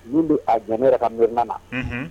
Mun don a ɲamɛ kaan na